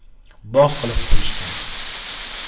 bog' qilib qo'yishgan